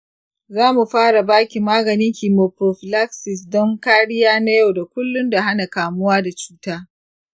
za mu fara ba ki maganin chemoprophylaxis don kariya na yau da kullum da hana kamuwa da cuta.